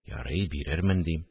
– ярый, бирермен, – дим